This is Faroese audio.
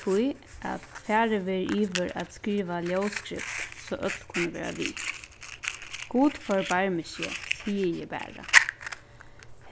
tíð at farið verður yvir at skriva ljóðskrift so øll kunnu vera við gud forbarmi seg sigi eg bara